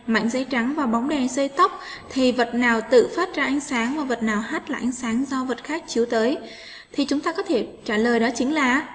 mảnh giấy trắng và bóng đèn dây tóc thì vật nào tự phát ra ánh sáng và vật nào hát lại ánh sáng sau vật khác chiếu thì chúng ta có thể trả lời đó chính là